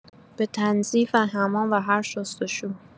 به تنظیف و حمام و هر شستشو.